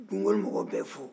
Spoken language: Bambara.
n bɛ gugoli mɔgɔ bɛɛ fo